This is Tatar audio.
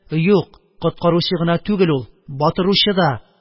– юк, коткаручы гына түгел ул, батыручы да..